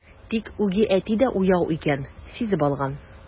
Тик үги әти дә уяу икән, сизеп алган.